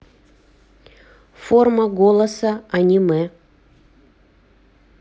форма голоса аниме